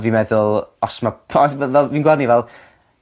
a fi'n meddwl os ma' pos- ma' fel fi'n gwel' 'ny fel